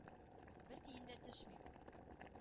Бер тиен дә төшмим